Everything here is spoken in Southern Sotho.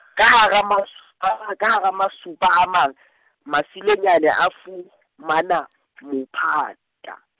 ka hara mas-, ka ha-, ka hara ma supa a mang , Masilonyane a fumana, mophata.